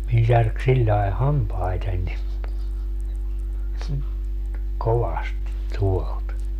minun särki sillä lailla hampaitani kovasti tuolta